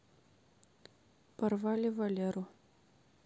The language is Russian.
порвали валеру